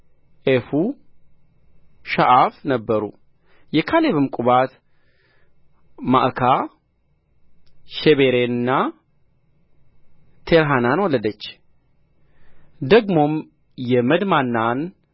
ሔፋ ሸዓፍ ነበሩ የካሌብም ቁባት ማዕካ ሸቤርንና ቲርሐናን ወለደች ደግሞም የመድማናን